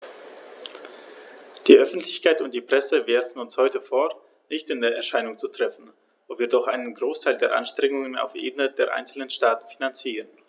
Die Öffentlichkeit und die Presse werfen uns heute vor, nicht in Erscheinung zu treten, wo wir doch einen Großteil der Anstrengungen auf Ebene der einzelnen Staaten finanzieren.